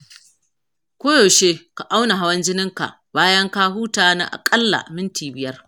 koyaushe ka auna hawan jininka bayan ka huta na aƙalla minti biyar.